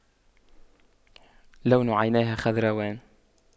لون عينيها خضراوان